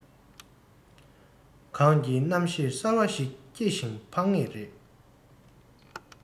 གངས ཀྱི རྣམ ཤེས གསར བ ཞིག སྐྱེ ཞིང འཕགས ངེས ལ